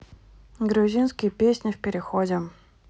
грузинские песни в переходе